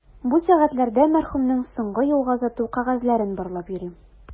Бу сәгатьләрдә мәрхүмнең соңгы юлга озату кәгазьләрен барлап йөрим.